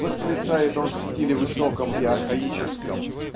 -- восклицает он в стиле высоком и архаическом